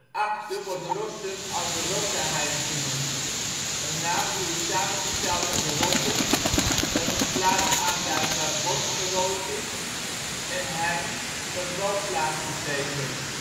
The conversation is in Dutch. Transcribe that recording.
akte wordt Rossum als ' Rotheheim ' genoemd, een naam die is samengesteld uit ' rothe ', dat een plaats aanduidt waar bos gerooid is, en ' heim ', dat woonplaats betekent